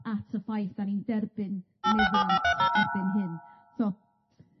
at y ffaith 'dan ni'n derbyn meddiant erbyn hyn. So...